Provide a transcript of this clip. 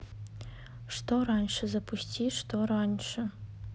что раньше запусти что раньше